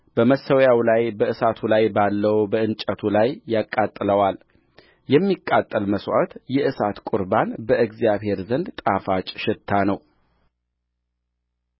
በመሠዊያው ላይ በእሳቱ ላይ ባለው በእንጨቱ ላይ ያቃጥለዋል የሚቃጠል መሥዋዕት የእሳት ቍርባን በእግዚአብሔር ዘንድ ጣፋጭ ሽታ ነው